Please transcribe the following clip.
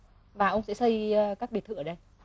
và ông sẽ xây a các biệt thự ở đây